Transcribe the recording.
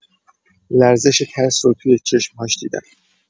لرزش ترس رو توی چشم‌هاش دیدم.